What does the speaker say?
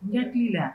N hakili la